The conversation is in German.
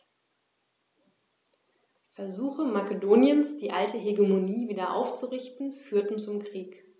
Versuche Makedoniens, die alte Hegemonie wieder aufzurichten, führten zum Krieg.